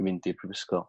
i mynd i'r prifysgol